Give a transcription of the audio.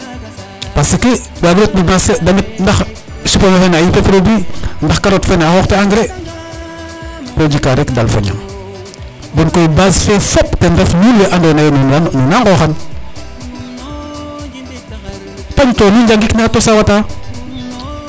parce que wagiro ret no marché damit ndax supame fene a yipe produit ndax carottes fene a xoox te engrais ko jika rek dalfo ñam kon koy base fe fop ten ref nuun we ando naye nu andi ran nuun na ngoxan pañ ko nu njangik ne a tosa wata